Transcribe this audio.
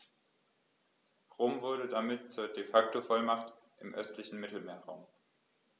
Rom wurde damit zur ‚De-Facto-Vormacht‘ im östlichen Mittelmeerraum.